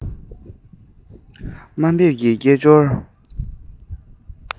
དམའ འབེབས ཀྱི སྐད ཅོར